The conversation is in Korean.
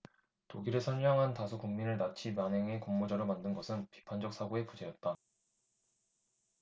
독일의 선량한 다수 국민을 나치 만행의 공모자로 만든 것은 비판적 사고의 부재였다